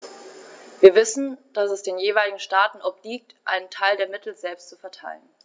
Wir wissen, dass es den jeweiligen Staaten obliegt, einen Teil der Mittel selbst zu verteilen.